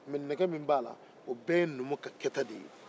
mɛ nɛgɛ min b'a la o bɛɛ ye numu ka kɛta de ye